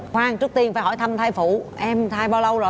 khoan trước tiên phải hỏi thăm thai phụ em thai bao lâu rồi